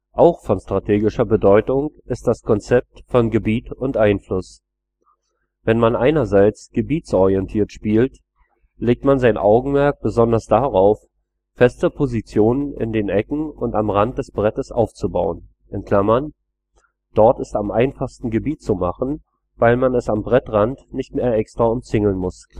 Auch von strategischer Bedeutung ist das Konzept von Gebiet und Einfluss. Wenn man einerseits gebietsorientiert spielt, legt man sein Augenmerk besonders darauf, feste Positionen in den Ecken und am Rand des Brettes aufzubauen (dort ist am einfachsten Gebiet zu machen, weil man es am Brettrand nicht mehr extra umzingeln muss